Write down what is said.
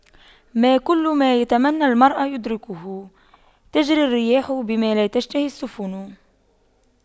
ما كل ما يتمنى المرء يدركه تجرى الرياح بما لا تشتهي السفن